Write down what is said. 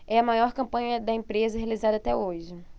é a maior campanha da empresa realizada até hoje